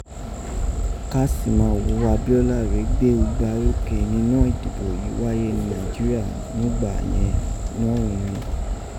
Káṣìmawòó Abíọ́lá rèé gbe ugba oroke nínọ́ ìdìbò yìí wáyé ní Nàìjíríà nùgbà yẹ̀n nọ́ghọ́n rin.